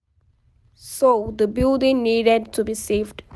So, the building needed to be saved.